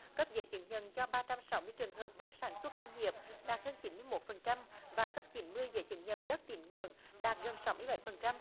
cấp giấy chứng nhận cho ba trăm sáu mươi trường hợp đất sản xuất nông nghiệp đạt hơn chín mươi mốt phần trăm và cấp chín mươi giấy chứng nhận đất tín ngưỡng đạt gần sáu mươi bảy phần trăm